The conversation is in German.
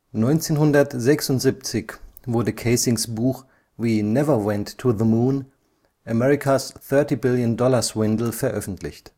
1976 wurde Kaysings Buch We Never Went to the Moon: America’ s Thirty Billion Dollar Swindle veröffentlicht